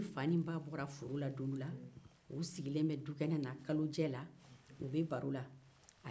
don dɔ la fa ni ba sigilen bɛ baro la kalojɛ la